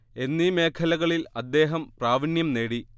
എന്നീ മേഖലകളിൽ അദ്ദേഹം പ്രാവീണ്യം നേടി